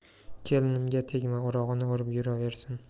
kelinimga tegma o'rog'ini o'rib yuraversin